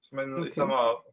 So mae'n eitha mawr.